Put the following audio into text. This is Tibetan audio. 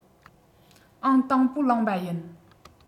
ཨང དང པོ བླངས པ ཡིན